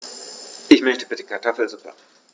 Ich möchte bitte Kartoffelsuppe.